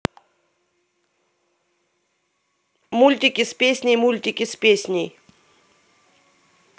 мультики с песней мультики с песней